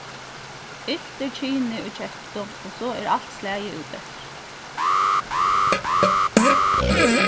ilt er kynið í kettu og so er alt slagið úteftir